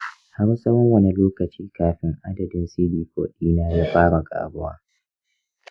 har tsawon wane lokaci kafin adadin cd4 ɗina ya fara ƙaruwa?